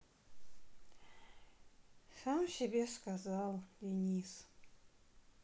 самсебесказал денис